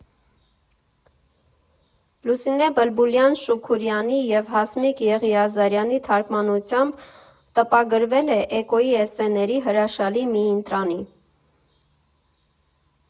Լուսինե Բլբուլյան֊Շուքուրյանի և Հասմիկ Եղիազարյանի թարգմանությամբ տպագրվել է Էկոյի էսսեների հրաշալի մի ընտրանի։